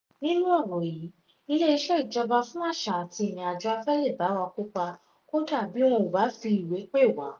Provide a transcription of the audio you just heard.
Nínú ọ̀rọ̀ yìí, Ilé-iṣẹ́ Ìjọba fún Àṣà àti Ìrìn-àjò afẹ́ lè bá wa kópa, kódà bí wọn ò bá fi ìwé pè wá.